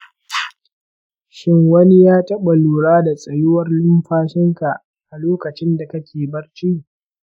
shin wani ya taɓa lura da tsayuwar numfashin ka a lokacin da kake barci?